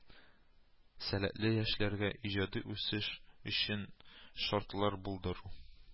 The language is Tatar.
Сәләтле яшьләргә иҗади үсеш өчен шартлар булдыру